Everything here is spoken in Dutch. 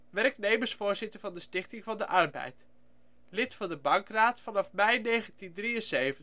werknemersvoorzitter Stichting van de Arbeid lid Bankraad, vanaf mei 1973